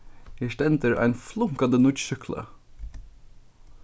her stendur ein flunkandi nýggj súkkla